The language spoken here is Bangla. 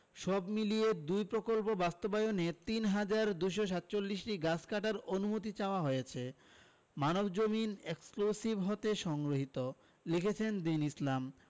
সব মিলিয়ে দুই প্রকল্প বাস্তবায়নে ৩হাজার ২৪৭টি গাছ কাটার অনুমতি চাওয়া হয়েছে মানবজমিন এক্সক্লুসিভ হতে সংগৃহীত লিখেছেনঃ দীন ইসলাম